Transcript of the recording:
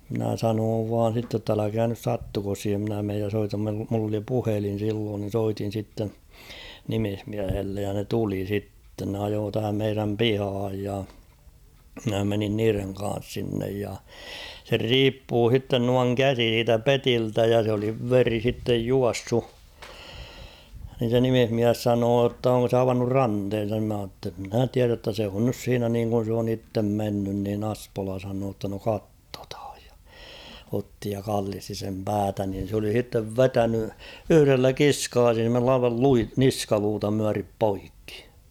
minä sanoin vain sitten että älkää nyt sattuko siihen minä menen ja soitan - minulla oli puhelin silloin niin soitin sitten nimismiehelle ja ne tuli sitten ne ajoi tähän meidän pihaan ja minä menin niiden kanssa sinne ja sen riippui sitten noin käsi siitä pediltä ja se oli veri sitten juossut niin se nimismies sanoi että onko se avannut ranteensa niin minä sanoin että minä tiedä että se on nyt siinä niin kuin se on itse mennyt niin Espola sanoi jotta no katsotaan ja otti ja kallisti sen päätä niin se oli sitten vetänyt yhdellä kiskaisulla aivan - niskaluuta myöten poikki